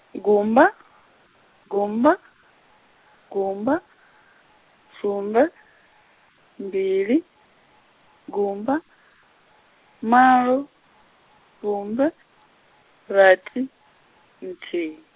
gumba, gumba, gumba, sumbe, mbili, gumba, malo, sumbe, rathi, nthihi.